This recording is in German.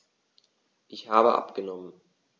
Ich habe abgenommen.